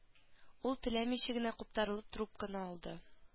Ул теләмичә генә куптарылып трубканы алды